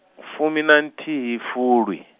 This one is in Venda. fumi na nthihi fulwi.